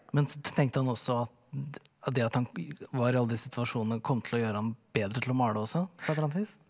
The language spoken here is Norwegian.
men tenkte han også at det at han var i alle de situasjonene kom til å gjøre han bedre til å male også på et eller annet vis?